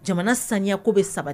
Jamana sanya ko bɛ saba